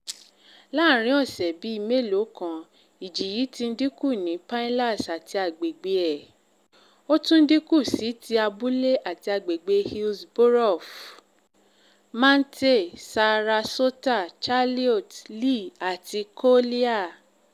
Láàrin ọ̀sẹ̀ bíi mélòó kan, Ìjì yí ti dínkù ní Pinellas àti agbègbè̀ ẹ̀. Ó tún dínkù sí ti abúlé àti agbègbè̀ Hillsborough, Mantee, Sarasota, Charlotte, Lee àti Collier.